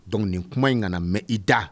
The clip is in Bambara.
Donc nin kuma in ka na mɛn i da.